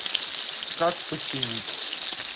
как починить